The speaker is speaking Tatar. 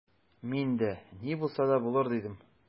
Мин дә: «Ни булса да булыр»,— дидем.